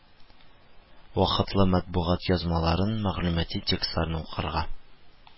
Вакытлы матбугат язмаларын, мəгълүмати текстларны укырга